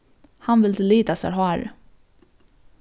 hann vildi lita sær hárið